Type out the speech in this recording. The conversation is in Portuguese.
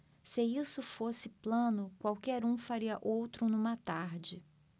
se isso fosse plano qualquer um faria outro numa tarde